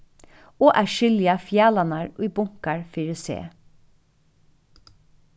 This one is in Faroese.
og at skilja fjalarnar í bunkar fyri seg